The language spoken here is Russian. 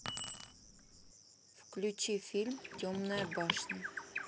включи фильм темная башня